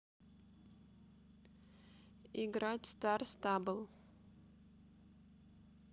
играть в star stable